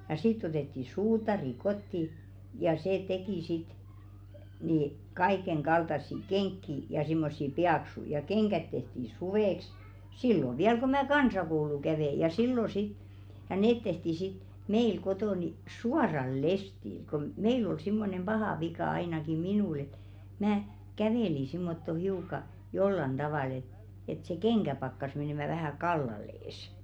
ja sitten otettiin suutari kotiin ja se teki sitten niin kaikenkaltaisia kenkiä ja semmoisia paksuja ja kengät tehtiin suveksi silloin vielä kun minä kansakoulua kävin ja silloin sitten ja ne tehtiin sitten meillä kotona niin suoralla lestillä kun meillä oli semmoinen paha vika ainakin minulla että minä kävelin semmottoon hiukan jollakin tavalla että että se kenkä pakkasi menemään vähän kallelleen